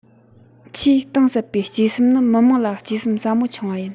ཆེས གཏིང ཟབ པའི གཅེས སེམས ནི མི དམངས ལ གཅེས སེམས ཟབ མོ འཆང བ ཡིན